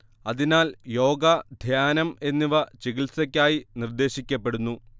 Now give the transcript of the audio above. അതിനാൽ യോഗ ധ്യാനം എന്നിവ ചികിത്സയായി നിർദ്ദേശിക്കപ്പെടുന്നു